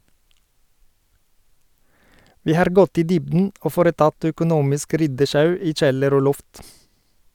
- Vi har gått i dybden og foretatt økonomisk ryddesjau i kjeller og loft.